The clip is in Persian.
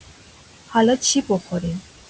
حالا چی بخوریم؟